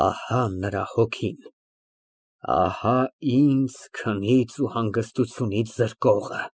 Ահա նրա հոգին։ Ահա ինձ քնից ու հանգստությունից զրկողը։